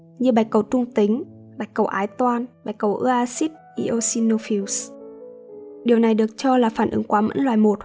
như bạch cầu trung tính và bạch cầu ái toan điều này được cho là phản ứng quá mẫn loại i